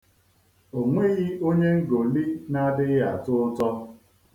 O nweghị onye ngoli na-adịghị ato ụtọ